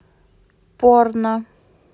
порно